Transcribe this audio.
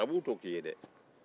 arabuw t'o kɛ i ye dɛ